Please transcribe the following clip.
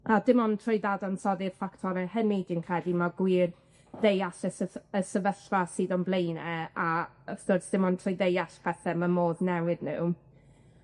A dim ond trwy dadansoddi'r ffactore hynny dwi'n credu ma' gwir ddeall y syf- y sefyllfa sydd o'n blaene, a yy wrth gwrs dim ond trwy deall pethe ma' modd newid nw.